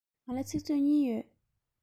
ང ལ ཚིག མཛོད གཉིས ཡོད